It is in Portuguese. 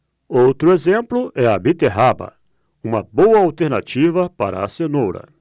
outro exemplo é a beterraba uma boa alternativa para a cenoura